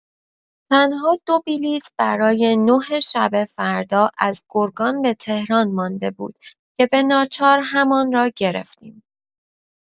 تنها دو بلیت برای نه شب فردا از گرگان به تهران مانده بود که به‌ناچار همان را گرفتیم.